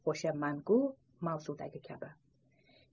o'sha mangu mavzudagi kabi